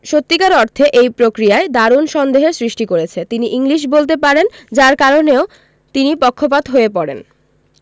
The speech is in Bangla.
সত্যিকার অর্থে এই প্রক্রিয়ায় দারুণ সন্দেহের সৃষ্টি করেছে তিনি ইংলিশ বলতে পারেন যার কারণেও তিনি পক্ষপাত হয়ে পড়েন